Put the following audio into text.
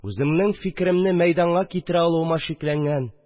Үземнең фикеремне мәйданга китерә алуыма шикләнгән